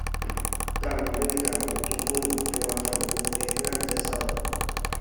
ตั้งนาฬิกาปลุกทุกมื้อ เพราะว่าต้องลุกไปเฮ็ดงานแต่เช้า